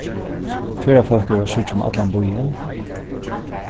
ferðafólk eru at síggja um allan býin